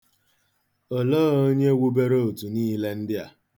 Olee onye wubere otu niile ndị a?